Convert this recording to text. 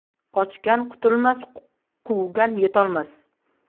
qochgan qutulmas quvgan yetolmas